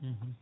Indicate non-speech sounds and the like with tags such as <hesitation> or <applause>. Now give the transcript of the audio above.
<hesitation> <hesitation>